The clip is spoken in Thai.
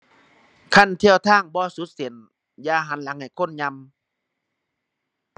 คันเทียวทางบ่สุดเส้น อย่าหันหลังให้คนย่ำ